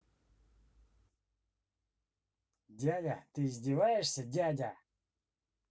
дядя ты издеваешься дядя